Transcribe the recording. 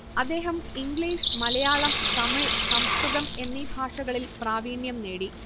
അദ്ദേഹം ഇംഗ്ലീഷ് മലയാളം തമിഴ് സംസ്കൃതം എന്നീ ഭാഷകളിൽ പ്രാവീണ്യം നേടി